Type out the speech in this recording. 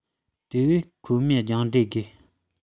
དེ བས ཁོ མོའི སྦྱངས འབྲས དགོས